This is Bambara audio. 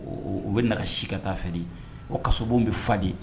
U bɛ na si ka taa fɛri ko kasobo bɛ fa de